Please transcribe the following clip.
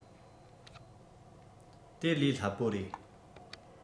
དེ ལས སླ པོ རེད